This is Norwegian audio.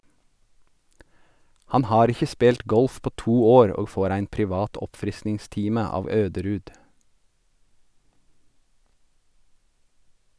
Han har ikkje spelt golf på to år, og får ein privat oppfriskingstime av Øderud.